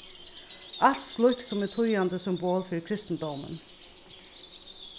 alt slíkt sum eru týðandi symbol fyri kristindómin